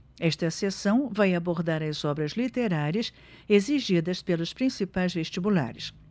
esta seção vai abordar as obras literárias exigidas pelos principais vestibulares